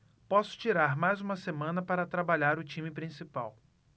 posso tirar mais uma semana para trabalhar o time principal